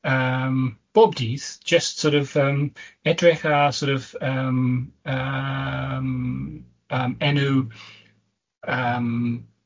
yym, bob dydd, jyst sor' of yym, edrych ar sor' of yym, yym yym enw yym